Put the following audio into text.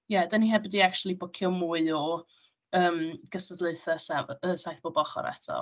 Ie dan ni heb 'di acshyli bwcio mwy o , yym, gystadleuaethau sef yy saith bob ochr eto.